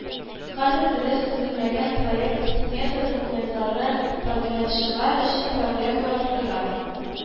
Хәзер дөрес төзелмәгән проект-смета документлары подрядчылар өчен проблемалар тудыра